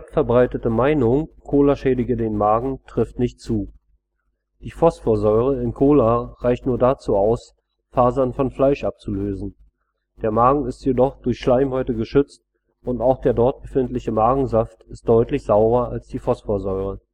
verbreitete Meinung, Cola schädige den Magen, trifft nicht zu. Die Phosphorsäure in Cola reicht nur dazu aus, Fasern von Fleisch abzulösen, der Magen ist jedoch durch Schleimhäute geschützt und auch der dort befindliche Magensaft ist deutlich saurer als die Phosphorsäure